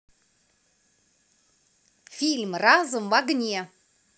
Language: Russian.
фильм разум в огне